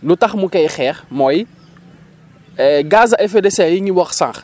lu tax mu koy xeex mooy gaz à effet de serre yi ñu wax sànq